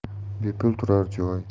bepul turar joy